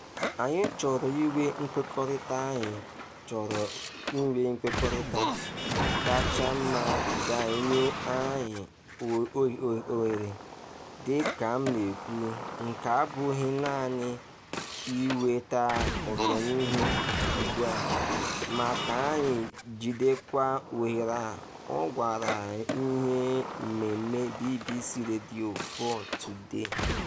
“Anyị chọrọ inwe nkwekọrịta. Anyị chọrọ inwe nkwekọrịta kacha mma ga-enye anyị oghere dịka m na-ekwu, nke abụghị naanị inweta ọganihu ugbu a ma ka anyị jidekwa oghere a,” ọ gwara ihe mmemme BBC Radio 4 Today.